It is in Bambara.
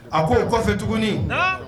A ko o kɔfɛ tuguni